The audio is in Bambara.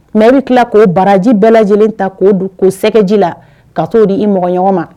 Mais i bi kila ko baraji bɛɛ lajɛlen ta ko don ko sɛrin ji la . Ka to di i mɔgɔ ɲɔgɔn ma